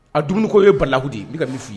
A dumuniko ye balahu de ye n bɛ ka min fɔ i ye